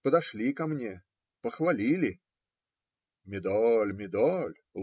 Подошли ко мне, похвалили. - Медаль, медаль.